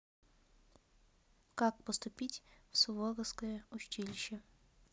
как поступить в суворовское училище